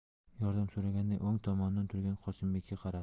yordam so'raganday o'ng tomonidan turgan qosimbekka qaradi